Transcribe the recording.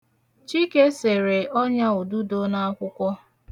Chike sere ọnyaududo n'akwụkwọ.